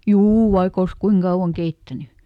juu vaikka olisi kuinka kauan keittänyt